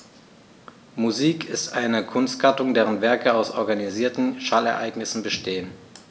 Musik ist eine Kunstgattung, deren Werke aus organisierten Schallereignissen bestehen.